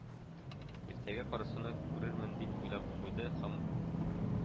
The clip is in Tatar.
“иртәгә карасуны күрермен,—дип уйлап куйды һәм